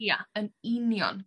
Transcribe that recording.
Ia yn union.